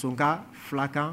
filakan